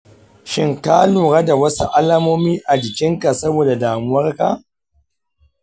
shin ka lura da wasu alamomi a jikin ka saboda damuwarka?